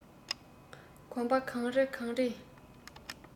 གོམ པ གང རེ གང རེས